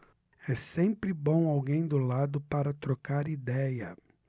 é sempre bom alguém do lado para trocar idéia